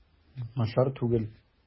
Начар түгел.